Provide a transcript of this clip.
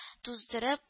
Туздырып